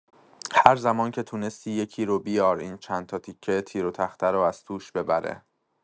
هر زمان که تونستی یکی رو بیار این چند تا تیکه تیر و تخته رو از توش ببره.